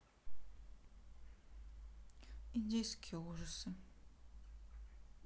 индийские ужасы